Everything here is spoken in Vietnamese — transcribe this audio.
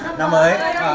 năm mới